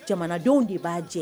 Jamanadenw de b'a jɛ